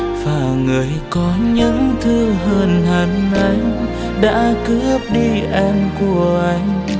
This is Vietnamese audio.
và người có những thứ hơn hẳn anh đã cướp đi em của anh